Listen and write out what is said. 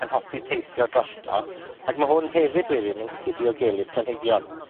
yn hoffi teithio drosto, ac ma' hwn hefyd wedyn yn gallu diogelu'r planhigion.